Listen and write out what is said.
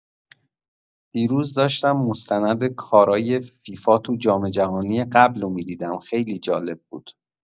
دیروز داشتم مستند کارای فیفا تو جام‌جهانی قبلو می‌دیدم، خیلی جالب بود!